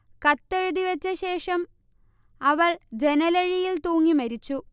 കത്തെഴുതി വച്ച ശേഷം അവൾ ജനലഴിയിൽ തൂങ്ങി മരിച്ചു